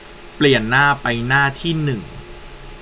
เปลี่ยนหน้าไปหน้าที่หนึ่ง